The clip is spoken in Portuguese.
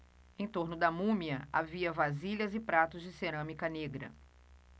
em torno da múmia havia vasilhas e pratos de cerâmica negra